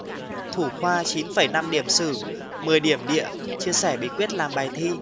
thủ khoa chín phẩy năm điểm sử mười điểm địa chia sẻ bí quyết làm bài thi